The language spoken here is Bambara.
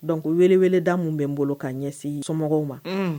Dɔncko weleeleda minnu bɛ n bolo ka'a ɲɛsin somɔgɔw ma